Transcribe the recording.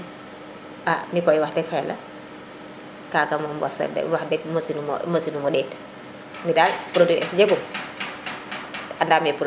a mi koy wax deg fa yalakaga moom wax deg mosun mo mosinumo det lu mi daal produit es jegum a ndame